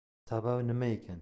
sababi nima ekan